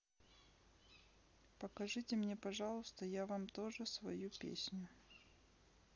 покажите мне пожалуйста я вам тоже свою песню